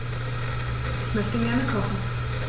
Ich möchte gerne kochen.